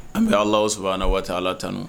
An bɛ Allahou Soubhana wa ta Alaa tanu.